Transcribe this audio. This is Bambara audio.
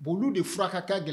Bulon de furakɛ ka gɛlɛn